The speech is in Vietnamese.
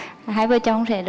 hai vờ chồng sé